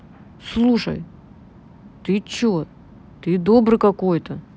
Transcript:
слушай ты че ты добрый какой то